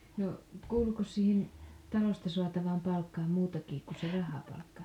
no kuuluikos siihen talosta saatavaan palkkaan muutakin kuin se rahapalkka